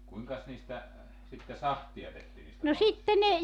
kuinkas niistä sitten sahtia tehtiin niistä maltaista